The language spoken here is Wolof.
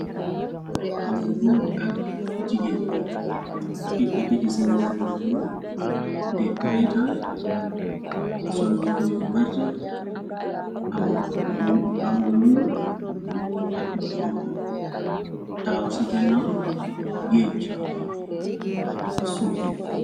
Xale goo ak jigéen xieketi seen yaari loxey dit reetaan solu boy werte am lu ñuul ak lu xonku taaw ci ganaw géejj ci suuf bi.